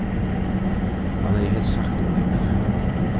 hann hevði helst sagt ov nógv